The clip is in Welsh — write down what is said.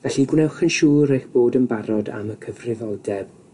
Felly, gwnewch yn siŵr eich bod yn barod am y cyfrifoldeb